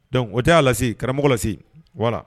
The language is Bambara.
Donc o tɛ wa Lasi karamɔgɔ Lasi?